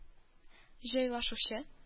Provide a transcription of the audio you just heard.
Җайлашучы